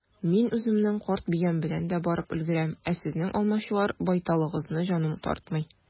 Мин үземнең карт биям белән дә барып өлгерәм, ә сезнең алмачуар байталыгызны җаным тартмый.